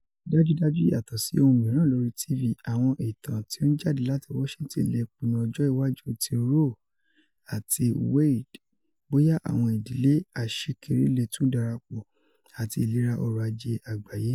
Dajudaju, yatọsi ohun miiran lori TV, awọn itan ti o n jade lati Washington le pinnu ọjọ iwaju ti Roe v. Wade, boya awọn idile aṣikiri le tun darapọ ati ilera ọrọ aje agbaye.